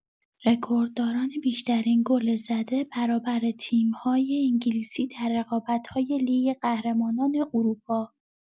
رکوردداران بیشترین گل زده برابر تیم‌های انگلیسی در رقابت‌های لیگ قهرمانان اروپا